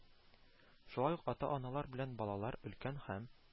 Шулай ук ата-аналар белән балалар, өлкән һәм